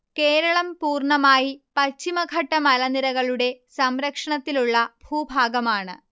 കേരളം പൂർണമായി പശ്ചിമഘട്ട മലനിരകളുടെ സംരക്ഷണത്തിലുള്ള ഭൂഭാഗമാണ്